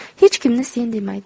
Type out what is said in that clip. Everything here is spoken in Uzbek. hech kimni sen demaydi